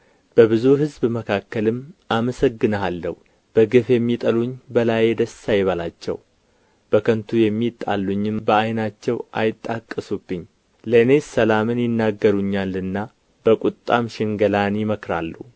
በብዙ ሕዝብ መካከልም አመሰግንሃለሁ በግፍ የሚጠሉኝ በላዬ ደስ አይበላቸው በከንቱ የሚጣሉኝም በዓይናቸው አይጣቀሱብኝ ለእኔስ ሰላምን ይናገሩኛልና በቍጣም ሽንገላን ይመክራሉ